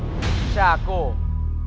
trà cổ